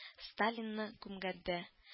Сталинны күмгәндә